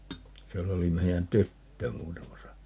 siellä oli meidän tyttö muutamassa